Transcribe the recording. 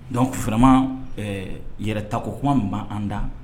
Dɔnkuc kufarama yɛrɛ ta ko kuma min' an da